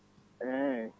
eyyi eyyi